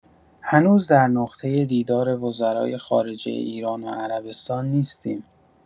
هنوز در نقطه دیدار وزرای خارجه ایران و عربستان نیستیم.